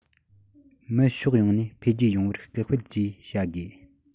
མི ཕྱོགས ཡོངས ནས འཕེལ རྒྱས ཡོང བར སྐུལ སྤེལ བཅས བྱ དགོས